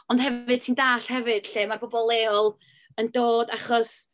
Ond hefyd ti'n dalld hefyd lle ma'r bobl leol yn dod, achos